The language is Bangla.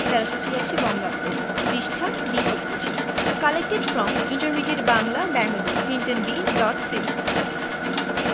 ১৩৮৬ বঙ্গাব্দ পৃষ্ঠাঃ ২০ ২১ collected from intermediate Bangla Bengali Clinton B dot Seely